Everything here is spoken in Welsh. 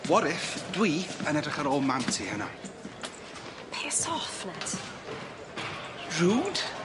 war if dwi yn edrych ar ôl mam ti heno. Piss off Ned. Rude.